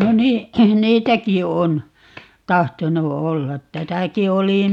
no niin niitäkin on tahtonut olla tässäkin oli